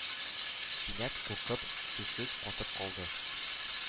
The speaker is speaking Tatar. Кинәт, куркып, сүзсез катып калды,